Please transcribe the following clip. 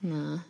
na.